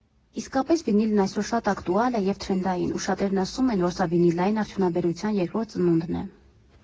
«Իսկապես, վինիլն այսօր շատ ակտուալ է և թրենդային, ու շատերն ասում են, որ սա վինիլային արդյունաբերության երկրորդ ծնունդն է։